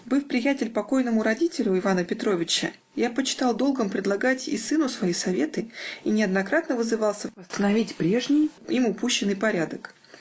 Быв приятель покойному родителю Ивана Петровича, я почитал долгом предлагать и сыну свои советы и неоднократно вызывался восстановить прежний, им упущенный, порядок.